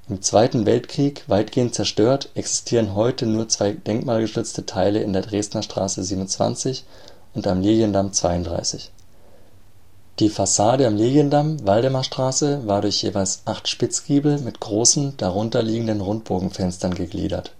Zweiten Weltkrieg weitgehend zerstört, existieren heute nur zwei denkmalgeschützte Teile in der Dresdener Straße 27 und am Legiendamm 32. Die Fassade am Legiendamm/Waldemarstraße war durch jeweils acht Spitzgiebel mit großen darunterliegenden Rundbogenfenstern gegliedert